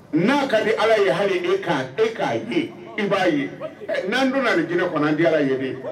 N'a ka di ala ye hali e k'a e k'a ye i b'a ye n'an dun ni jinɛ kɔnɔ di ala ye de